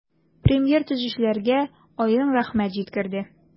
Премьер төзүчеләргә аерым рәхмәт җиткерде.